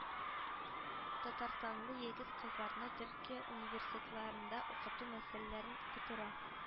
Татарстанлы егет-кызларны төркия университетларында укыту мәсьәләләрен күтәрә